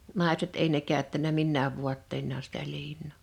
naiset ei ne käyttänyt minään vaatteinaan sitä liinaa